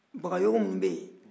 bagayɔgɔ minnu bɛ yen